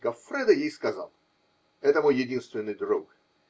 Гоффредо ей сказал: -- Это мой единственный друг